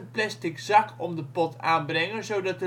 plastic zak om de pot aanbrengen zodat